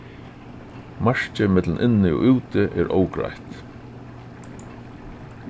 markið millum inni og úti er ógreitt